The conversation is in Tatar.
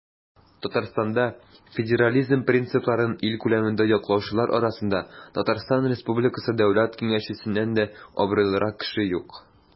Татарстанда федерализм принципларын ил күләмендә яклаучылар арасында ТР Дәүләт Киңәшчесеннән дә абруйлырак кеше юк.